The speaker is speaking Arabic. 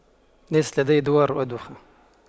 ليس لدي دوار وأدوخه